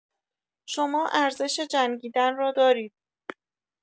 شما ارزش جنگیدن را دارید.